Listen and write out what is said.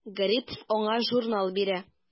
Гарипов аңа журнал бирә.